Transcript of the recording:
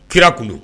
Kira kun